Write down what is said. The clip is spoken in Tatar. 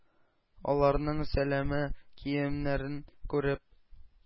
Ал арның сәләмә киемнәрен күреп,